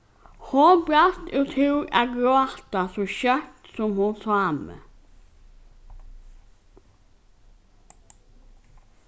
hon brast útúr at gráta so skjótt sum hon sá meg